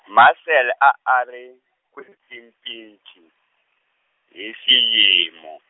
Marcel a a ri, kwipin- -pinji, hi xiyimo.